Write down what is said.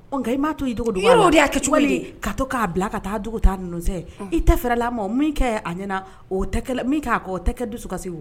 Nka i m'a to i dogo don' de' kɛ cogolen ka to k'a bila ka taa dugu ta ninnusɛn i tɛ fɛ la min kɛ a ɲɛna o min k o tɛ kɛ dusuka se wa